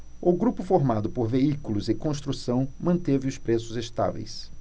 o grupo formado por veículos e construção manteve os preços estáveis